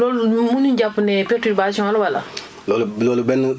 loolu mënuñ jàpp ne perturbation la wala